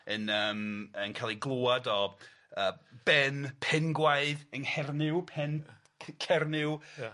yn yym yn ca'l 'i glwad o yy ben Pengwaid yng Nghernyw pen Cy- Cernyw . Ia.